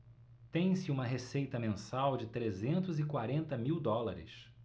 tem-se uma receita mensal de trezentos e quarenta mil dólares